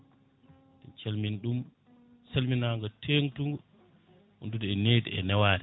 min calmin ɗum salminago tengtugu wondude e needi e neware